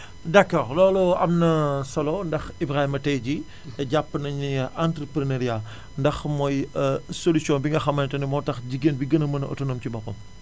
d' accord loolu am na solo ndax Ibrahima tay jii jàpp nañu ne entreprenariat ndax mooy solution bi nga xamante ne moo tax jigéen bi gën a mën a autonome ci boppam